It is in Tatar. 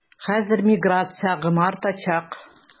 Хәзер миграция агымы артачак.